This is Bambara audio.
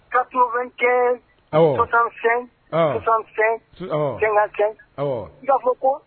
Ka ku bɛ kɛ kusanfɛn kusanfɛn denkɛ kɛ gaa fɔ ko